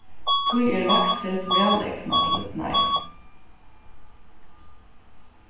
tí er lakssild vælegnað til ídnaðin